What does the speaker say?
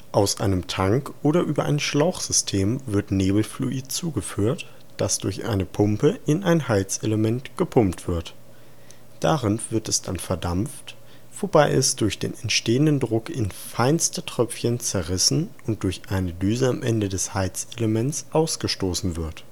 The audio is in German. Aus einem Tank oder über ein Schlauchsystem wird Nebelfluid zugeführt, das durch eine Pumpe in ein Heizelement gepumpt wird. Darin wird es dann verdampft, wobei es durch den entstehenden Druck in feinste Tröpfchen zerrissen und durch eine Düse am Ende des Heizelementes ausgestoßen wird